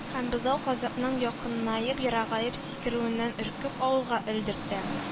Һәм бозау, казыкның якынаеп-ерагаеп сикерүеннән өркеп, авылга элдертә